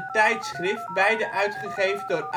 tijdschrift, beide uitgegeven door